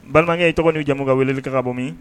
Bakɛ ye tɔgɔ ni' jamumu ka wulili ka bɔ